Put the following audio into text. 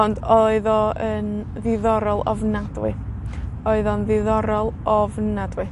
Ond oedd o yn ddiddorol ofnadwy. Oedd o'n ddiddorol ofnadwy.